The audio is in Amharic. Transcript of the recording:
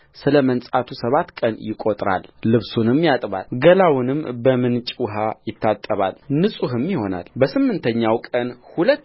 ስለ መንጻቱ ሰባት ቀን ይቈጥራል ልብሱንም ያጥባል ገላውንም በምንጭ ውኃ ይታጠባል ንጹሕም ይሆናልበስምንተኛውም ቀን ሁለት